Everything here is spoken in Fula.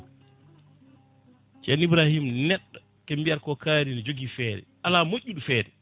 ceerno Ibrahima neɗɗo koɓe mbiyata ko kaari ene jogui feere ala moƴƴuɗo feer